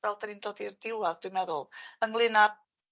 fel 'dan ni'n dod i'r diwadd dwi'n meddwl ynglŷn â